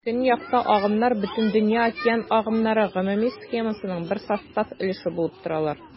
Көньякта агымнар Бөтендөнья океан агымнары гомуми схемасының бер состав өлеше булып торалар.